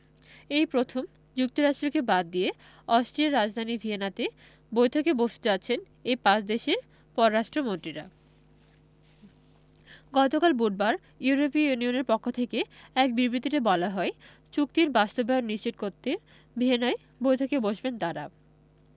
এই প্রথম যুক্তরাষ্ট্রকে বাদ দিয়ে অস্ট্রিয়ার রাজধানী ভিয়েনাতে বৈঠকে বসতে যাচ্ছেন এই পাঁচ দেশের পররাষ্ট্রমন্ত্রীরা গতকাল বুধবার ইউরোপীয় ইউনিয়নের পক্ষ থেকে এক বিবৃতিতে বলা হয় চুক্তির বাস্তবায়ন নিশ্চিত করতে ভিয়েনায় বৈঠকে বসবেন তাঁরা